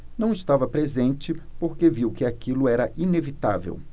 não estava presente porque viu que aquilo era inevitável